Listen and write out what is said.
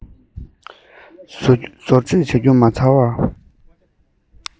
བཟོ བཅོས བྱ རྒྱུ མ ཚར བ